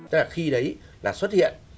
tức là khi ấy là xuất hiện